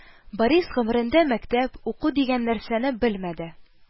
Борис гомерендә мәктәп, уку дигән нәрсәне белмәде